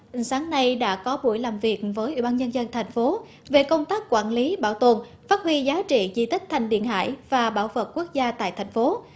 sáng nay đã có buổi làm việc với ủy ban nhân dân thành phố về công tác quản lý bảo tồn phát huy giá trị di tích thành điện hải và bảo vật quốc gia tại thành phố